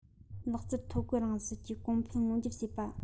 ལག རྩལ ཐོད བརྒལ རང བཞིན གྱི གོང འཕེལ མངོན གྱུར བྱེད པ